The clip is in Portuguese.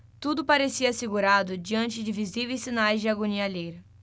tudo parecia assegurado diante de visíveis sinais de agonia alheia